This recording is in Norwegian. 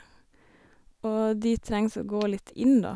Og de trengs å gå litt inn, da.